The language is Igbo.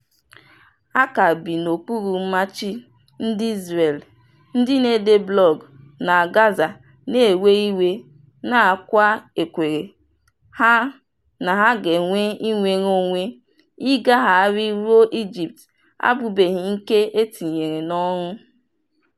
A ka bi n'okpuru mmachi ndị Israel, ndị na-ede blọọgụ na Gaza na-ewe iwe na nkwa ekwere ha na ha ga-enwe inwere onwe ịgagharị ruo Egypt abụbeghị nke etinyere n'ọrụ.